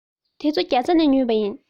འདི ཚོ ནི རྒྱ ཚ ནས ཉོས པ ཡིན